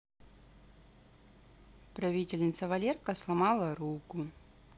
правительница валерка сломала руку